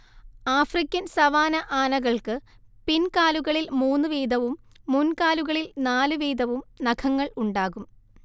African savanna ആനകൾക്ക് പിൻ‌കാലുകളിൽ മൂന്നു വീതവും മുൻ‌കാലുകളിൽ നാലു വീതവും നഖങ്ങൾ ഉണ്ടാകും